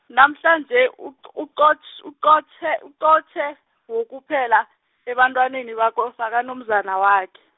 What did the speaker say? namhlanje, uq- uqotjh- uqotjhe uqotjhe, wokuphela, ebantwaneni bako- bakanomzana wakhe.